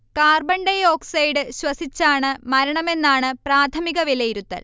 carbon dioxide ശ്വസിച്ചാണ് മരണമെന്നാണ് പ്രാഥമിക വിലയിരുത്തൽ